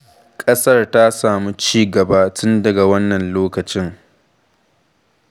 Ƙasar ta samu ci-gaba tun daga wannan lokacin.